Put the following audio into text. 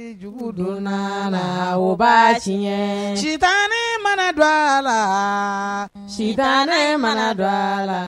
Jugu donna la baasi tiɲɛ sita ne mana dɔgɔ a la si tɛ ne mana dɔgɔ a la